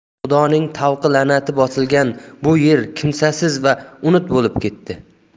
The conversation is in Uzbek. xudoning tavqi lanati bosilgan bu yer kimsasiz va unut bo'lib ketdi